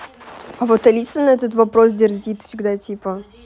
а вот алиса на этот вопрос дерзит всегда типа